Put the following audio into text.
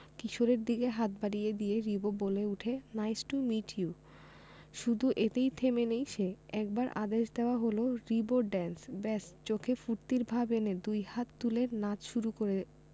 কিশোরের দিকে হাত বাড়িয়ে দিয়ে রিবো বলে উঠে নাইস টু মিট ইউ শুধু এতেই থেমে নেই সে একবার আদেশ দেওয়া হলো রিবো ড্যান্স ব্যাস চোখে ফূর্তির ভাব এনে দুই হাত তুলে নাচ শুরু করে